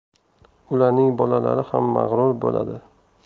ularning bolalari ham mag'rur bo'ladi